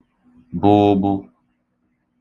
bụ̄ ụ̄bụ̄